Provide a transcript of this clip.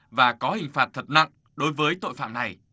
và có hình phạt thật nặng đối với tội phạm này